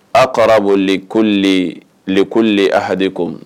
A kɔrɔbɔ leko leko le ahaduko